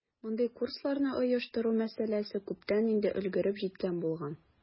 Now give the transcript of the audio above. Мондый курсларны оештыру мәсьәләсе күптән инде өлгереп җиткән булган.